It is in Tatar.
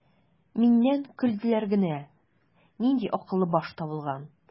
Миннән көлделәр генә: "Нинди акыллы баш табылган!"